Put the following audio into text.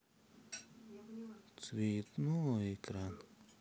цветной экран